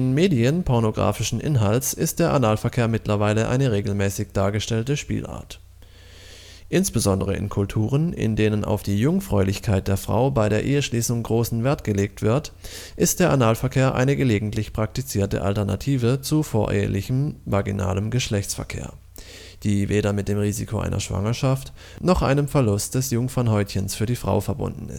Medien pornographischen Inhalts ist der Analverkehr mittlerweile eine regelmäßig dargestellte Spielart. Insbesondere in Kulturen, in denen auf die Jungfräulichkeit der Frau bei der Eheschließung großen Wert gelegt wird, ist der Analverkehr eine gelegentlich praktizierte Alternative zu vorehelichem (vaginalen) Geschlechtsverkehr, die weder mit dem Risiko einer Schwangerschaft noch einem Verlust des Jungfernhäutchens für die Frau verbunden